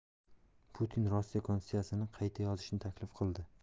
putin rossiya konstitutsiyasini qayta yozishni taklif qildi